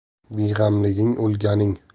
beg'amliging o'lganing